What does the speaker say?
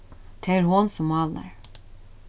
tað er hon sum málar